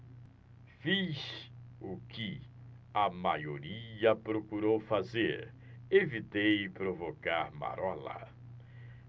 fiz o que a maioria procurou fazer evitei provocar marola